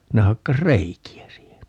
ne hakkasi reikiä siihen